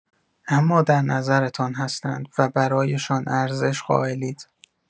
اما در نظرتان هستند و برایشان ارزش قائلید.